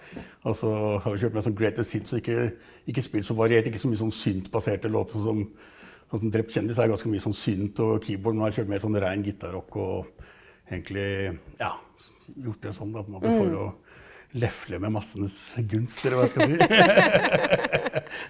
også har vi kjørt mer sånn og ikke ikke spilt så variert, ikke så mye sånn syntbaserte låter sånn som sånn som Drept kjendis er ganske mye sånn synt og keyboard, men nå har jeg kjørt mer sånn rein gitarrock og egentlig ja gjort det sånn da på en måte for å lefle med massenes gunst eller hva jeg skal si .